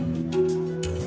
em